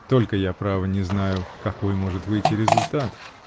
-- Только я, право, не знаю, какой может выйти результат.